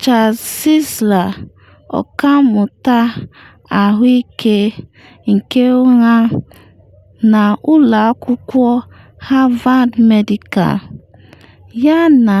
Charles Czeisler, ọkammụta ahụike nke ụra na Havard Medical School yana